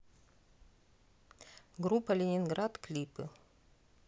группа ленинград клипы